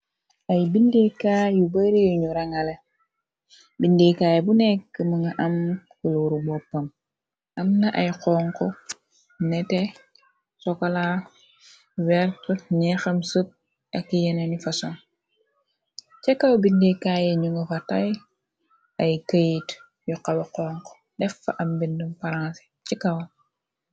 ay bindikaay yu bari yuñu rangale bindikaay bu nekk më nga am kuluuru boppam amna ay xonku nete sokola wert ñeexam sukk ak yena ni fason ca kaw bindikaaye ñu nga fa tay ay këyit yu xawe xonk deffa am bindum paranse ci kaw